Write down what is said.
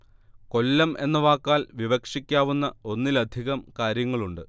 കൊല്ലം എന്ന വാക്കാൽ വിവക്ഷിക്കാവുന്ന ഒന്നിലധികം കാര്യങ്ങളുണ്ട്